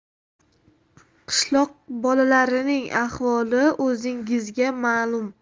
qishloq bolalarining ahvoli o'zingizga malum